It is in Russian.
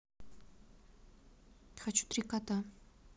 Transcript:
хочу три кота